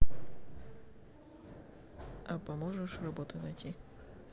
а поможешь работу найти